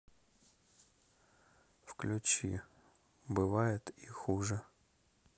включи бывает и хуже